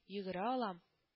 Йөгерә алам